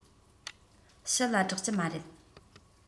ཕྱི ལ བསྒྲགས ཀྱི མ རེད